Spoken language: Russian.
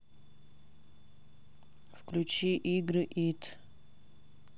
включи игры ит